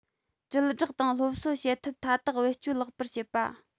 དྲིལ བསྒྲགས དང སློབ གསོ བྱེད ཐབས མཐའ དག བེད སྤྱོད ལེགས པར བྱེད པ